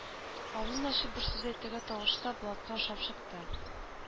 Авызын ачып бер сүз әйтүгә тавышы да Булатка ошап чыкты.